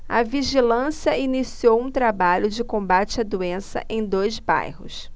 a vigilância iniciou um trabalho de combate à doença em dois bairros